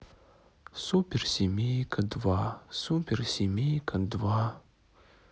супер семейка два супер семейка два